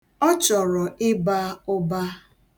Ọ chọrọ ịba ụba.